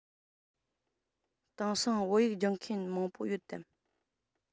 དེང སང བོད ཡིག སྦྱོང མཁན མང པོ ཡོད དམ